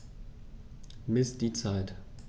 Miss die Zeit.